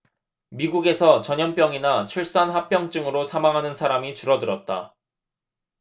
미국에서 전염병이나 출산 합병증으로 사망하는 사람이 줄어들었다